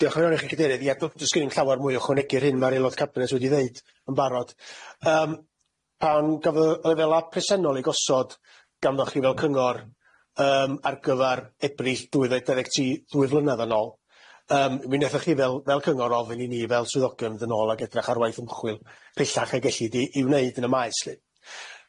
Diolch yn fawr i chi cadeirydd. Ia d- d- sgenim llawer mwy o ychwanegu'r hyn ma'r aelod cabinet di ddeud yn barod yym pan gafodd y lefela presennol ei gosod ganddoch chi fel cyngor yym ar gyfar Ebrill dwy ddau daddeg tri ddwy flynedd yn ôl yym mi nethoch chi fel fel cyngor ofyn i ni fel swyddogion fynd yn ôl ag edrach ar waith ymchwil pellach a gellid i i wneud yn y maes lly.